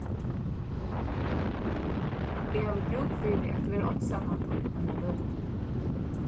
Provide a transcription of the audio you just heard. eg havi brúk fyri at vera einsamallur eina løtu